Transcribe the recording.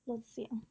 ลดเสียง